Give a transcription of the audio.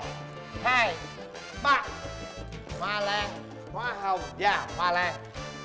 hai ba hoa lan hoa hồng và hoa lan